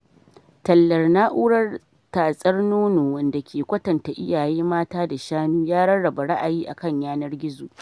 Tallar Nau’rar tatsar nono wanda ke kwatanta iyaye mata da shanu ya rarraba ra'ayi a kan yanar gizo